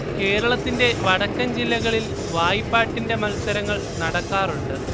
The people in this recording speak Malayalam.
കേരളതിന്റെ വടക്കൻ ജില്ലകളിൽ വായ്പാട്ടിന്റെ മത്സരങ്ങൾ നടക്കാറുണ്ട്